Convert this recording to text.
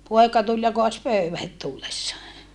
poika tuli ja kaatoi pöydän heti tullessaan